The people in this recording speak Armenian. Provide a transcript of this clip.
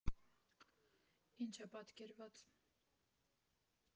Ինչ է պատկերված։